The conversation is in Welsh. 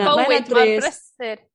...bywyd mor brysur